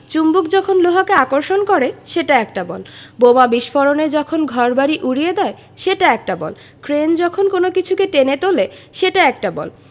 চুম্বক যখন লোহাকে আকর্ষণ করে সেটা একটা বল বোমা বিস্ফোরণে যখন ঘরবাড়ি উড়িয়ে দেয় সেটা একটা বল ক্রেন যখন কোনো কিছুকে টেনে তুলে সেটা একটা বল